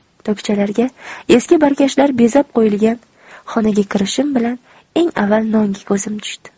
tokchalarga eski barkashlar bezak qilib qo'yilgan xonaga kirishim bilan eng avval nonga ko'zim tushdi